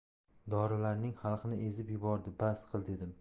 dorilaring xalqni ezib yubordi bas qil dedim